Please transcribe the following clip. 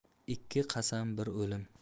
ikki qasam bir o'lim